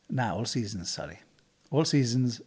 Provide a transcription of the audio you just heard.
Na, all-seasons, sori. All-seasons.